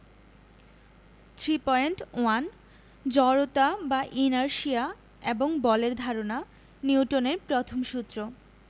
3.1 জড়তা বা ইনারশিয়া এবং বলের ধারণা নিউটনের প্রথম সূত্র